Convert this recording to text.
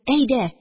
Әйдә